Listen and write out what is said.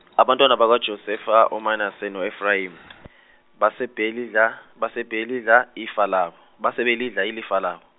abantwana bakwa Josefa uManase noIfrayem base belidla, base belidla ifa labo, base belidla ilifa labo.